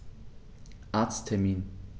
Arzttermin